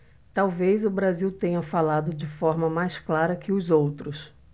talvez o brasil tenha falado de forma mais clara que os outros